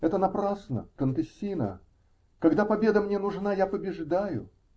-- Это напрасно, контессина, когда победа мне нужна, я побеждаю.